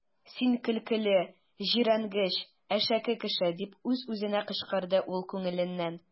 Син көлкеле, җирәнгеч, әшәке кеше! - дип үз-үзенә кычкырды ул күңеленнән.